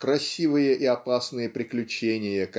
красивые и опасные приключения